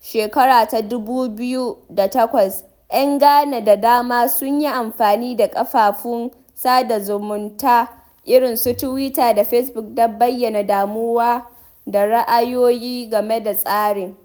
2008, 'yan Ghana da dama sun yi amfani da shafukan sada zumunta irin su Twitter da Facebook don bayyana damuwa da ra’ayoyi game da tsarin.